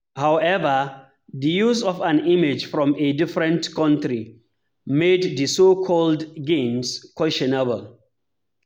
However, the use of an image from a different country made the so-called "gains" questionable.